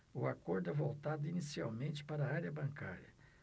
o acordo é voltado inicialmente para a área bancária